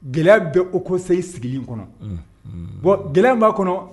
Gɛlɛya bɛ o kosayi sigilen kɔnɔ gɛlɛya b'a kɔnɔ